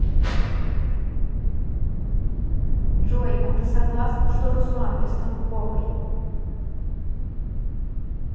джой а ты согласна что руслан бестолковый